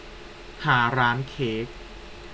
หาร้านเค้ก